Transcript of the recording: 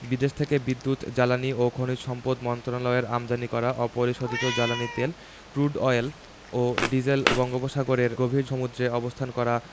বিদেশ থেকে বিদ্যুৎ জ্বালানি ও খনিজ সম্পদ মন্ত্রণালয়ের আমদানি করা অপরিশোধিত জ্বালানি তেল ক্রুড অয়েল ও ডিজেল বঙ্গোপসাগরের গভীর সমুদ্রে অবস্থান করা